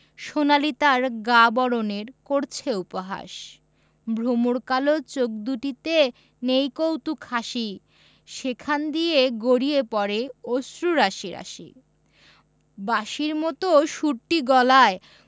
সোনালি তার গা বরণের করছে উপহাস ভমর কালো চোখ দুটিতে নেই কৌতুক হাসি সেখান দিয়ে গড়িয়ে পড়ে অশ্রু রাশি রাশি বাঁশির মতো সুরটি গলায়